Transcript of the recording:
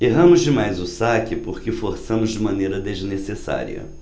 erramos demais o saque porque forçamos de maneira desnecessária